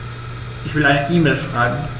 Ich will eine E-Mail schreiben.